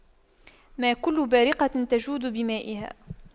ما كل بارقة تجود بمائها